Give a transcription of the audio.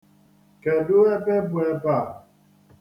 Kedu ebe bụ ebe a?